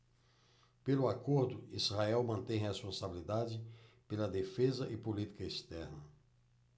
pelo acordo israel mantém responsabilidade pela defesa e política externa